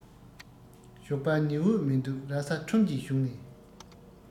ཞོགས པ ཉི འོད མི འདུག ས ཁྲོམ གྱི གཞུང ནས